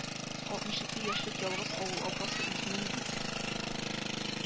Алтмыш ике яшьлек ялгыз авыл апасы үзенең бик